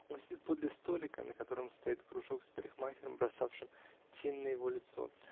Он сидит подле столика, на котором стоит кружок с парикмахером, бросавшим тень на его лицо